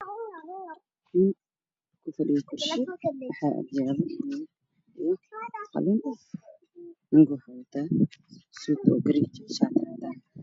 Nin ku fadhiyo kursi waxaa ag yaal buug qalin wuxuu wata raada caddaan isruul madow